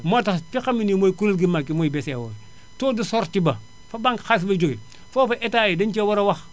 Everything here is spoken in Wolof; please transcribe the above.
moo tax fi xam ne nii mooy kuréel gu mag gi mooy BCEAO taux de sortie ba fa banque xaalis bay jógee foofa Etats yi dañu cee war a wax